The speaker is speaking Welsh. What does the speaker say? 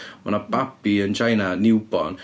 Ma' 'na babi yn Tseina, newborn.